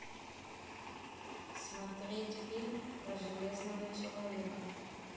смотреть фильм про железного человека